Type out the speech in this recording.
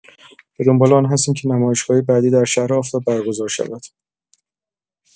به دنبال آن هستیم که نمایشگاه‌های بعدی در شهر آفتاب برگزار شود.